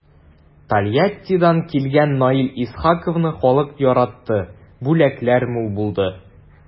Тольяттидан килгән Наил Исхаковны халык яратты, бүләкләр мул булды.